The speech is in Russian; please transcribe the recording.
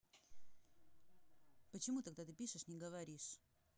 почему тогда ты пишешь не говоришь